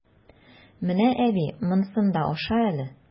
Менә, әби, монсын да аша әле!